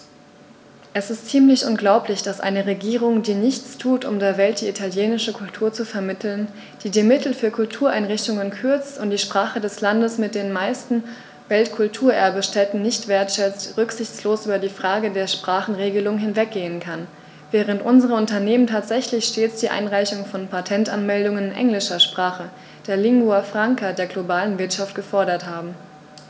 Es ist ziemlich unglaublich, dass eine Regierung, die nichts tut, um der Welt die italienische Kultur zu vermitteln, die die Mittel für Kultureinrichtungen kürzt und die Sprache des Landes mit den meisten Weltkulturerbe-Stätten nicht wertschätzt, rücksichtslos über die Frage der Sprachenregelung hinweggehen kann, während unsere Unternehmen tatsächlich stets die Einreichung von Patentanmeldungen in englischer Sprache, der Lingua Franca der globalen Wirtschaft, gefordert haben.